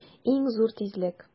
Иң зур тизлек!